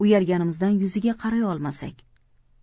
uyalganimizdan yuziga qarayolmasak